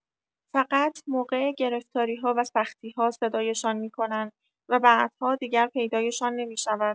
فقط موقع گرفتاری‌ها و سختی‌ها صدایشان می‌کنند و بعدها دیگر پیدایشان نمی‌شود!